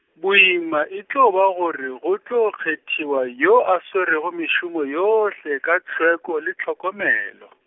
boima e tlo ba gore go tlo kgethiwa yoo a swerego mešomo yohle ka tlhweko le tlhokomelo .